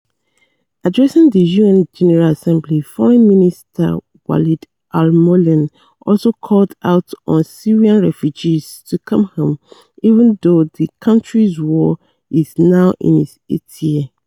Addressing the UN General Assembly, Foreign Minister Walid al-Moualem also called on Syrian refugees to come home, even though the country's war is now in its eighth year.